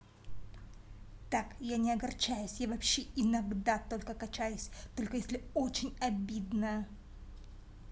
так я не огорчаюсь я вообще иногда только качаюсь только если очень обидно